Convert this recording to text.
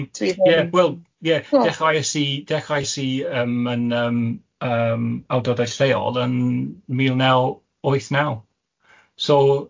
Ie wel ie dechraes i dechraes i yym yn yym yym awdodau lleol yn mil naw wyth naw so